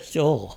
joo